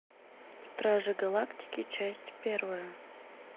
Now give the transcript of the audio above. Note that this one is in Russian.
стражи галактики часть первая